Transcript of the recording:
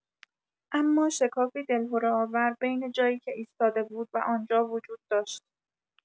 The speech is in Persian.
اما شکافی دلهره‌آور بین جایی که ایستاده بود و آنجا وجود داشت.